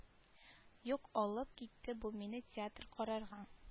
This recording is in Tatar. Юк алып китте бу мине театр карарга